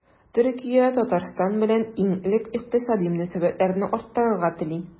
Төркия Татарстан белән иң элек икътисади мөнәсәбәтләрне арттырырга тели.